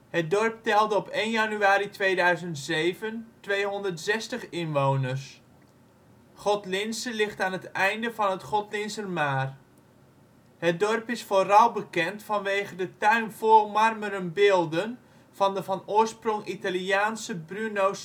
Het dorp telde op 1 januari 2007 260 inwoners. Godlinze ligt aan het einde van het Godlinzermaar. Het dorp is vooral bekend vanwege de tuin vol marmeren beelden van de van oorsprong Italiaanse Bruno